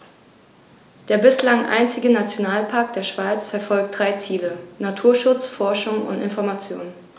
Der bislang einzige Nationalpark der Schweiz verfolgt drei Ziele: Naturschutz, Forschung und Information.